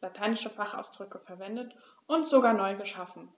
lateinische Fachausdrücke verwendet und sogar neu geschaffen.